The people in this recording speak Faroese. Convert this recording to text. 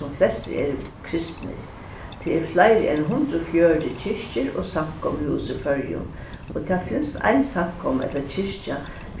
sum flestir eru kristnir tað eru fleiri enn hundrað og fjøruti kirkjur og samkomuhús í føroyum og tað finst ein samkoma ella kirkja